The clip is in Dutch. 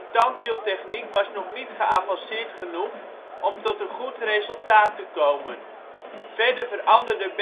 tandwieltechniek was nog niet geavanceerd genoeg om tot een goed resultaat te komen. Verder veranderde